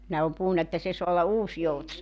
nehän on puhunut että se saa olla -